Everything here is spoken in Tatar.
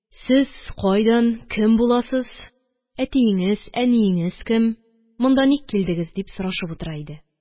Сез кайдан, кем буласыз, әтиеңез, әниеңез кем, монда ник килдегез? – дип сорашып утыра иде